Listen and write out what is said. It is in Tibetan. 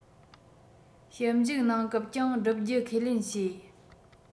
ཞིབ འཇུག གནང སྐབས ཀྱང བསྒྲུབ རྒྱུ ཁས ལེན བྱེད